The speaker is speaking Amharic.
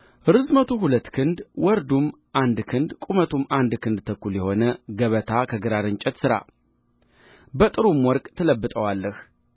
ርዝመቱም ሁለት ክንድ ወርዱም አንድ ክንድ ቁመቱ አንድ ክንድ ተኩል የሆነ ገበታ ከግራር እንጨት ሥራ በጥሩም ወርቅ ትለብጠዋለህ